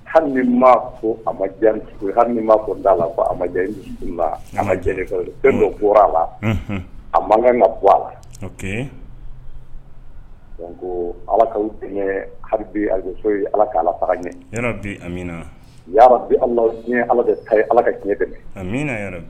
Ha ha ma ko d'a laja bɔra a la a man ka ka bɔ a la ko ala ha aliso ye ala k ala ɲɛ ya bi ala diɲɛ ala ta ye ala ka tiɲɛ